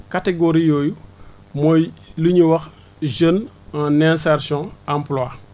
catégorie yooyu mooy lu ñu wax jeunes en insertion emploie